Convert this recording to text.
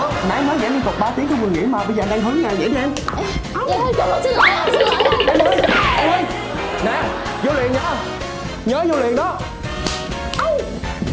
nãy em nói nhảy liên tục ba tiếng không ngừng nghỉ mà bây giờ anh đang hứng nè nhảy đi em em ơi em ơi nè vô liền nha nhớ vô liền đó âu